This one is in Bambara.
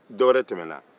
dɔwɛrɛ tɛmɛna